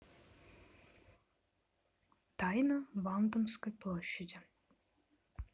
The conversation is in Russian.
тайна вандомской площади